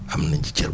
am nañ ci cër